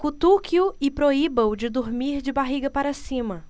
cutuque-o e proíba-o de dormir de barriga para cima